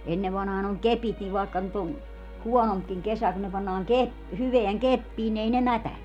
ennen vanhaan on kepit niin vaikka nyt on huonompikin kesä kun ne pannaan - hyvään keppiin niin ei ne mätäne